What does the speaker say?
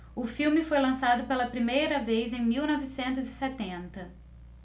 o filme foi lançado pela primeira vez em mil novecentos e setenta